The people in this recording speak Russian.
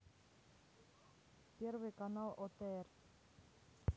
первый канал отр